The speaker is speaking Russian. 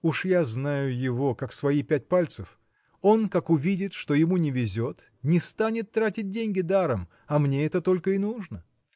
уж я знаю его, как свои пять пальцев. Он как увидит что ему не везет не станет тратить деньги даром а мне это только и нужно.